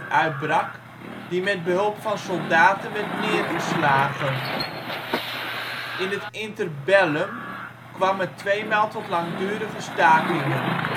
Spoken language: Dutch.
uitbrak, die met behulp van soldaten werd neergeslagen. In het interbellum kwam het tweemaal tot langdurige stakingen